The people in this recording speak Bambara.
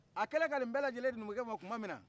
a kɛlen ka nin bɛɛ lajɛlen di numukɛ ma tuma min na